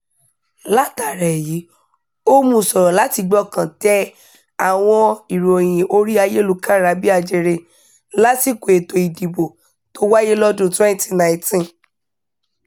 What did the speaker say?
Látàrí èyí, ó mú u ṣòro láti gbọ́kàn tẹ àwọn ìròyìn orí ayélukára-bí-ajere lásìkò ètò ìdìbò tó wáyé lọ́dún-un 2019.